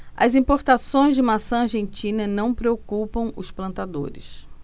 as importações de maçã argentina não preocupam os plantadores